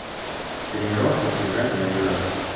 тренировка сжигание жира